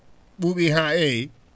?uu?ii han eyyi